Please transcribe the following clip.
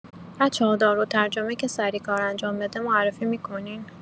بچه‌ها دارالترجمه‌ای که سریع کار انجام بده معرفی می‌کنین؟